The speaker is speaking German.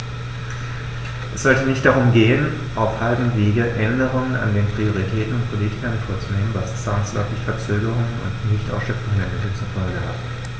Es sollte nicht darum gehen, auf halbem Wege Änderungen an den Prioritäten und Politiken vorzunehmen, was zwangsläufig Verzögerungen und Nichtausschöpfung der Mittel zur Folge hat.